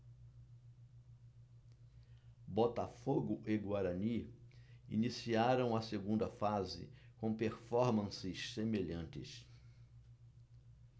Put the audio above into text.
botafogo e guarani iniciaram a segunda fase com performances semelhantes